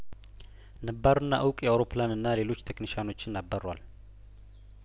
ነባርና እውቅ የአውሮፕላንና ሌሎች ቴክኒሺያኖችን አባሯል